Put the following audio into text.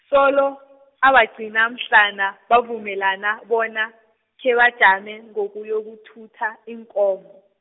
solo, abagcqina mhlana, bavumelana bona, khebajame ngokuyokuthutha, iinkomo.